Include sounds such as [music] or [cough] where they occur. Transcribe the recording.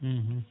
[hesitation] [hesitation]